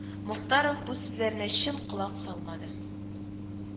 Мохтаров бу сүзләргә чын колак салмады